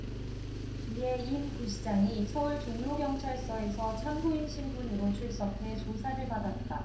이에 임 부시장이 서울 종로경찰서에서 참고인 신분으로 출석해 조사를 받았다